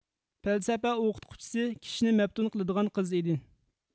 پەلسەپە ئوقۇتقۇچىسى كىشىنى مەپتۇن قىلىدىغان قىز ئىدى